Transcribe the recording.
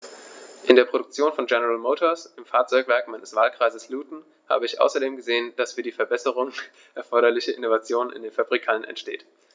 In der Produktion von General Motors, im Fahrzeugwerk meines Wahlkreises Luton, habe ich außerdem gesehen, dass die für Verbesserungen erforderliche Innovation in den Fabrikhallen entsteht.